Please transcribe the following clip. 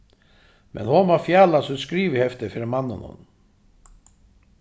men hon má fjala sítt skrivihefti fyri manninum